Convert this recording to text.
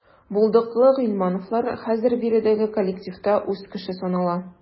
Булдыклы гыйльмановлар хәзер биредәге коллективта үз кеше санала.